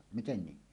miten niin